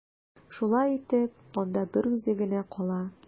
Шулай итеп, анда берүзе генә кала.